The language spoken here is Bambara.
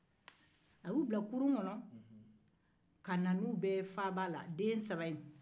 a y'u bila kurun kɔnɔ ka na ni den saba in bɛɛ ye faaba la